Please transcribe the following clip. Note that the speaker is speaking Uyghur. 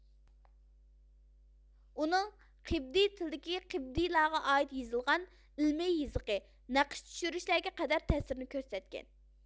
ئۇنىڭ قېبتىي تىلىدىكى قېبتىيلارغا ئائىت يىزىلغان ئىلمى يىزىقى نەقىش چۈشۈرۈشلەرگە قەدەر تەسىرىنى كۆرسەتكەن